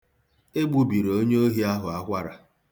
E gbubiri onyeohi ahụ akwara.